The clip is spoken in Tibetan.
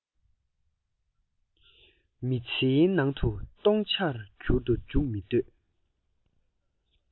མི ཚེའི ནང དུ སྟོང ཆར འགྱུར དུ འཇུག མི འདོད